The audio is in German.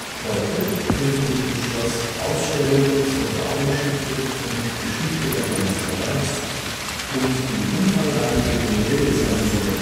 Heute finden sich im Schloss Ausstellungen zur Baugeschichte und Geschichte der Hohenzollern und die umfangreiche Gemäldesammlung der